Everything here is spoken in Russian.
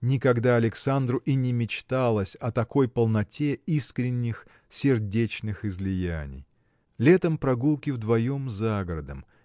Никогда Александру и не мечталось о такой полноте искренних сердечных излияний. Летом прогулки вдвоем за городом